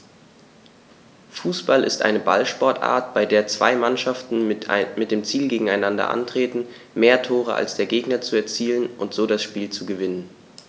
Fußball ist eine Ballsportart, bei der zwei Mannschaften mit dem Ziel gegeneinander antreten, mehr Tore als der Gegner zu erzielen und so das Spiel zu gewinnen.